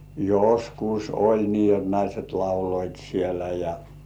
joskus oli niin jotta naiset lauloivat siellä ja